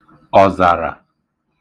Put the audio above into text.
ọ̀zàrà